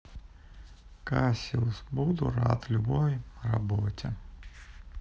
кассиус буду рад любой работе